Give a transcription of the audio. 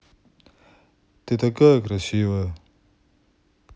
ты такая красивая